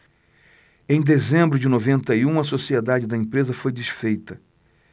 em dezembro de noventa e um a sociedade da empresa foi desfeita